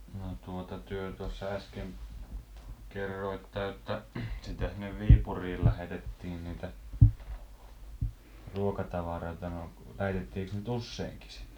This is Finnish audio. no tuota te tuossa äsken kerroitte että sitä sinne Viipuriin lähetettiin niitä ruokatavaroita no lähetettiinkös niitä useinkin sitten